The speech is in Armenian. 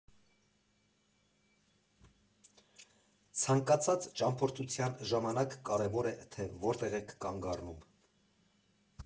Ցանկացած ճամփորդության ժամանակ կարևոր է, թե որտեղ եք կանգ առնում։